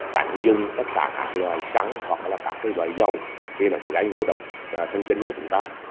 tránh dùng tất cả các loại xăng hoặc là các loại dầu vì nó sẽ gây ngộ độc thần kinh của chúng ta